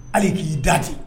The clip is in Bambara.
Al'e k'ii da de